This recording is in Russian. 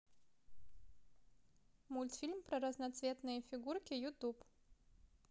мультфильм про разноцветные фигурки ютуб